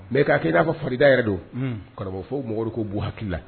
Mais k'a kɛ i n'a fɔ farida yɛrɛ don unh karamɔgɔ fo mɔgɔw de k'o b'u hakili la